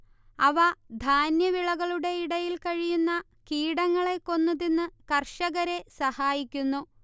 അവ ധാന്യവിളകളുടെ ഇടയിൽ കഴിയുന്ന കീടങ്ങളെ കൊന്ന് തിന്ന് കർഷകരെ സഹായിക്കുന്നു